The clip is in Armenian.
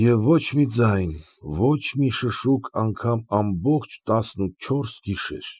Եվ ոչ մի ձայն, ոչ մի շշուկ անգամ ամբողջ տասնուչորս գիշեր։